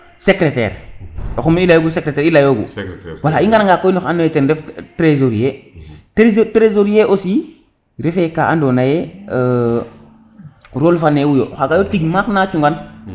secretaire oxum i leyogu secretaire i leyo gu wala i ngara nga koy noxe ando naye koy ten ref tresosier trésorier aussi refe ka ando naye role fa newu yo o xaga yo tig maak na cungan